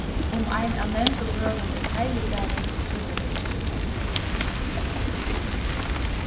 um ein av nevndu døgum er heiligdagur so verður ikki sent